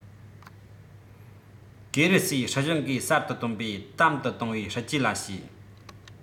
ཀེ རི སེའི སྲིད གཞུང གིས གསར དུ བཏོན པའི དམ དུ གཏོང བའི སྲིད ཇུས ལ བྱས